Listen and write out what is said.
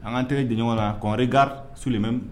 An kan tɛgɛ di ɲɔgɔn na qu'on regarde sur le même